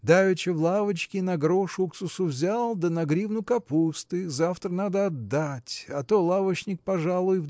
давеча в лавочке на грош уксусу взял да на гривну капусты завтра надо отдать а то лавочник пожалуй